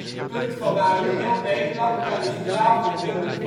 punt van waaruit heel Nederland kadastraal genummerd